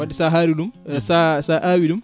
wadde sa haari ɗum sa sa awi ɗum